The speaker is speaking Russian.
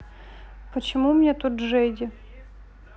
почему мне тут джеди